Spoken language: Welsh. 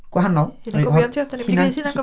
..Gwahanol... Hunangofiant, ia?